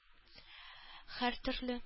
Һәртөрле